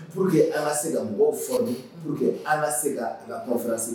Pur que ala se ka mɔgɔw faamuur que alase ka ka kuma farase